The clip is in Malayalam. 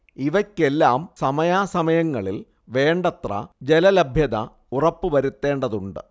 ഇവക്കെല്ലാം സമയാസമയങ്ങളിൽ വേണ്ടത്ര ജലലഭ്യത ഉറപ്പു വരുത്തേണ്ടതുണ്ട്